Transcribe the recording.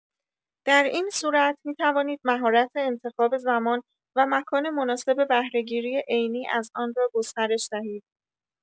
در این صورت می‌توانید مهارت انتخاب زمان و مکان مناسب بهره‌گیری عینی از آن را گسترش دهید.